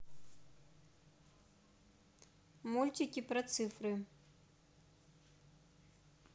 мультики про цифры